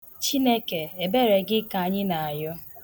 Chineke, ebere gị ka anyị na-arịọ.